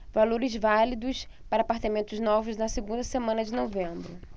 valores válidos para apartamentos novos na segunda semana de novembro